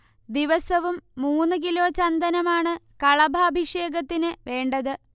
ദിവസവും മൂന്ന് കിലോ ചന്ദനമാണ് കളഭാഭിഷേകത്തിനു വേണ്ടത്